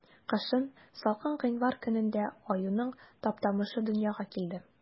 Кышын, салкын гыйнвар көнендә, аюның Таптамышы дөньяга килде.